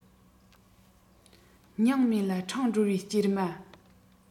སྙིང མེད ལ འཕྲང སྒྲོལ བའི སྐྱེལ མ